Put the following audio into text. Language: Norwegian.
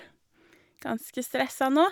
Ganske stressa nå.